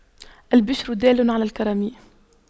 الْبِشْرَ دال على الكرم